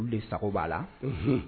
U de sago b'a la; Unhun.